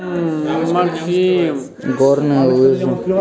горные лыжи